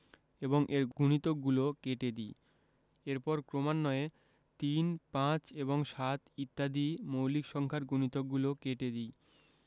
এবং এর গুণিতকগলো কেটে দেই এরপর ক্রমান্বয়ে ৩ ৫ এবং ৭ ইত্যাদি মৌলিক সংখ্যার গুণিতকগুলো কেটে দিই